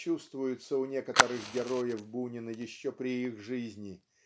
чувствуется у некоторых героев Бунина еще при их жизни